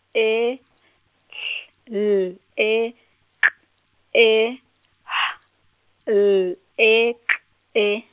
E H L E K E H L E K E.